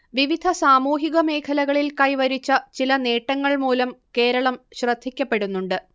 വിവിധ സാമൂഹിക മേഖലകളിൽ കൈവരിച്ച ചില നേട്ടങ്ങൾ മൂലം കേരളം ശ്രദ്ധിക്കപ്പെടുന്നുണ്ട്